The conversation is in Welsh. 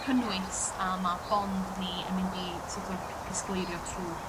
cynnwys a ma' bond ni yn mynd i so't of disgleirio trw'.